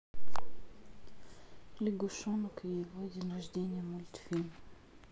лягушонок и его день рождения мультфильм